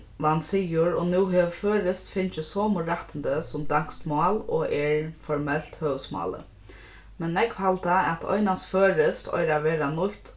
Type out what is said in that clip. vann sigur og nú hevur føroyskt fingið somu rættindi sum danskt mál og er formelt høvuðsmálið men nógv halda at einans føroyskt eigur at verða nýtt